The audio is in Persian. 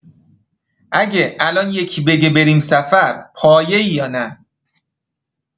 اگه الان یکی بگه بریم سفر، پایه‌ای یا نه؟